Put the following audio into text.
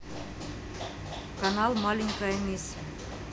канал маленькая мисс